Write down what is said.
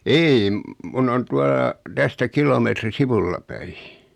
ei minun on tuolla tästä kilometri sivulla päin